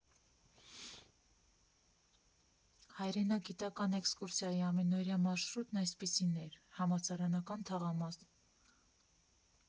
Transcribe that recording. Հայրենագիտական էքսկուրսիայի մեկօրյա մարշրուտն այսպիսինն էր՝ «Համալսարանական թաղամաս ֊ Ղ.